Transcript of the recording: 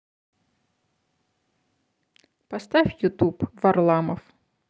поставь ютюб варламов